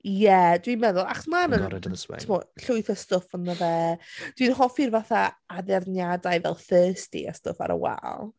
Ie dwi'n meddwl achos ma' 'na... Got rid of the swing ...timod llwyth o stwff ynddo fe, dwi'n hoffi'r fatha addurniadau fel thirsty a stwff ar y wal.